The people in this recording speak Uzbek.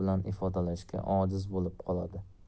bilan ifodalashga ojiz bo'lib qoladi